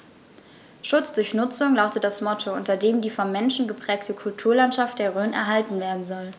„Schutz durch Nutzung“ lautet das Motto, unter dem die vom Menschen geprägte Kulturlandschaft der Rhön erhalten werden soll.